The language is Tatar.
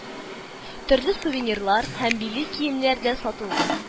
Төрле сувенирлар һәм милли киемнәр дә сатылды